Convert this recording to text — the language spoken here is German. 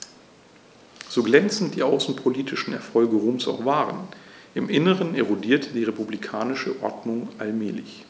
So glänzend die außenpolitischen Erfolge Roms auch waren: Im Inneren erodierte die republikanische Ordnung allmählich.